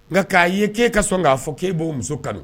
Nka k'a ye k'e ka sɔn k'a fɔ k' e'o muso kanu